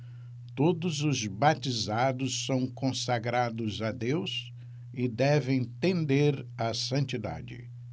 todos os batizados são consagrados a deus e devem tender à santidade